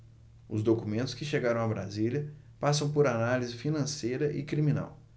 os documentos que chegaram a brasília passam por análise financeira e criminal